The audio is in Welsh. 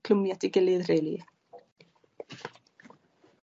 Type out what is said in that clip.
clymu at ei gilydd rili.